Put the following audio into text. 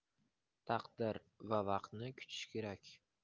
taqdir va vaqtni kutish kerak